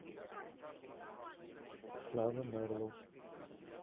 слава мэрлоу